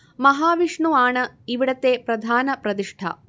മഹാവിഷ്ണു ആണ് ഇവിടത്തെ പ്രധാന പ്രതിഷ്ഠ